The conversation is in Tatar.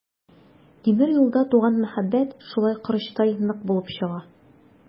Тимер юлда туган мәхәббәт шулай корычтай нык булып чыга.